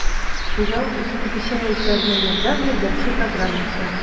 «хуҗалык итүнең кече рәвешләренә ярдәм» ярдәмче программасы